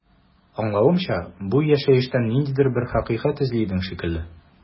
Аңлавымча, бу яшәештән ниндидер бер хакыйкать эзли идең шикелле.